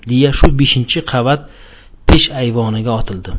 deya shu beshinchi qavat peshayvoniga otildi